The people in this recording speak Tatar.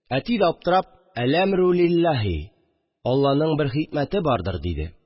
Әти дә, аптырап: «Әл әмрүлилЛаһи , Алланың бер хикмәте бардыр», – диде